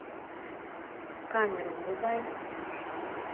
камеру вырубай